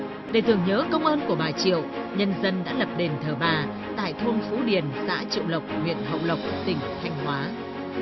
để tưởng nhớ công ơn của bà triệu nhân dân đã lập đền thờ bà tại thôn phú điền xã triệu lộc huyện hậu lộc tỉnh thanh hóa